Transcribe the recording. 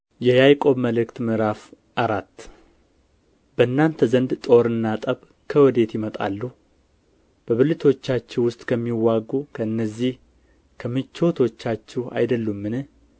የያዕቆብ መልእክት ምዕራፍ አራት በእናንተ ዘንድ ጦርና ጠብ ከወዴት ይመጣሉ በብልቶቻችሁ ውስጥ ከሚዋጉ ከእነዚህ ከምቾቶቻችሁ አይደሉምን